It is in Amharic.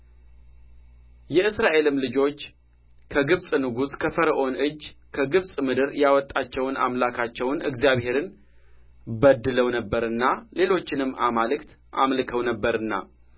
የእስራኤልም ልጆች ከግብጽ ንጉሥ ከፈርዖን እጅ ከግብጽ ምድር ያወጣቸውን አምላካቸውን እግዚአብሔርን በድለው ነበርና ሌሎችንም አማልክት አምልከው ነበርና